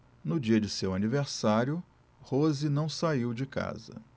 no dia de seu aniversário rose não saiu de casa